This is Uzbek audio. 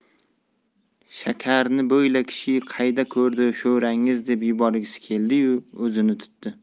shakarni bo'yla kishi qayda ko'rdi sho'rangiz deb yuborgisi keldi yu o'zini tutdi